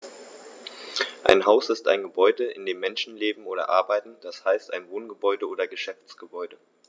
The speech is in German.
Ein Haus ist ein Gebäude, in dem Menschen leben oder arbeiten, d. h. ein Wohngebäude oder Geschäftsgebäude.